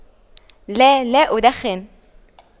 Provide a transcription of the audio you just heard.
لا لا أدخن